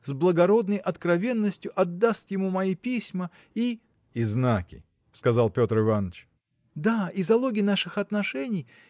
с благородной откровенностью отдаст ему мои письма и. – И знаки, – сказал Петр Иваныч. – Да, и залоги наших отношений.